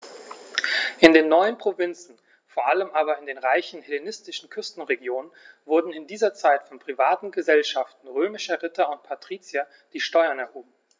In den neuen Provinzen, vor allem in den reichen hellenistischen Küstenregionen, wurden in dieser Zeit von privaten „Gesellschaften“ römischer Ritter und Patrizier die Steuern erhoben.